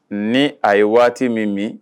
Ni a ye waati min min